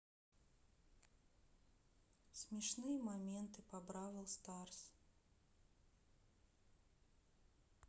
смешные моменты по бравл старс